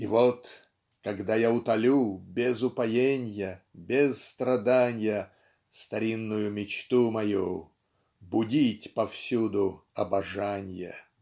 И вот когда я утолю Без упоенья, без страданья Старинную мечту мою Будить повсюду обожанье.